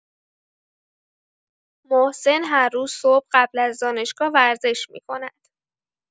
محسن هر روز صبح قبل از دانشگاه ورزش می‌کند.